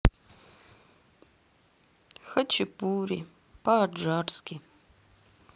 хачапури по аджарски